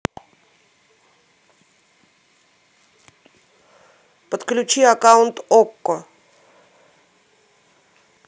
подключи аккаунт окко